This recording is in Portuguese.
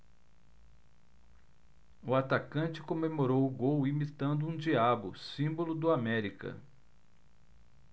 o atacante comemorou o gol imitando um diabo símbolo do américa